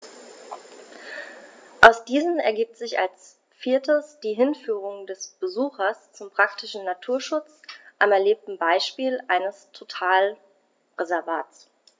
Aus diesen ergibt sich als viertes die Hinführung des Besuchers zum praktischen Naturschutz am erlebten Beispiel eines Totalreservats.